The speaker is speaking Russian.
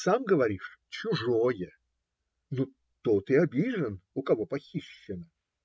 - Сам говоришь, чужое: ну, тот и обижен, у кого похищено.